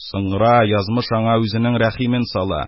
Соңра язмыш аңа үзенең рәхимен сала: